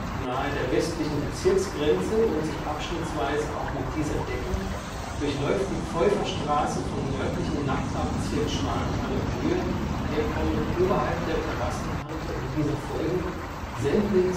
Nahe der westlichen Bezirksgrenze und sich abschnittweise auch mit dieser deckend durchläuft die Pfeuferstraße vom nördlichen Nachbarbezirk Schwanthalerhöhe her kommend oberhalb der Terrassenkante und dieser folgend Sendling